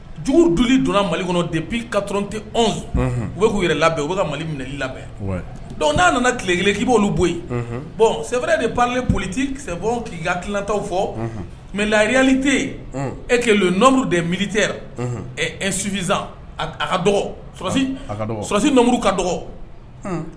Jugu dun donna mali kɔnɔ dep ka t tɛ k'u yɛrɛ labɛn u ka mali minɛli labɛn dɔnku n'a nana tile kelen k'i b'olu bɔ yen bɔn sɛɛrɛ de paleolitisɛ k'i ka kilatɔw fɔ mɛ lareyali tɛ yen e ke nɔnuru de miirite ɛ sufinz a ka dɔgɔsi a ka sɔsi nɔmudu ka dɔgɔ